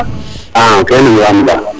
axa kene im lam ta